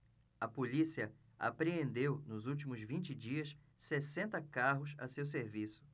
a polícia apreendeu nos últimos vinte dias sessenta carros a seu serviço